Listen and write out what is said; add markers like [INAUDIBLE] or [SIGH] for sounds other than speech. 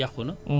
[HESITATION] [HESITATION]